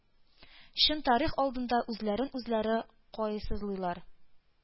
Чын тарих алдында үзләрен үзләре каезлыйлар.